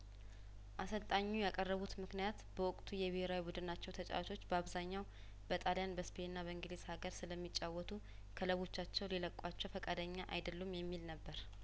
አሰልጣኙ ያቀረቡት ምክንያት በወቅቱ የብሄራዊ ቡድናቸው ተጫዋቾች በአብዛኛው በጣልያን በስፔንና በእንግሊዝ ሀገር ስለሚጫወቱ ክለቦቻቸው ሊለቋቸው ፍቃደኛ አይደሉም የሚል ነበር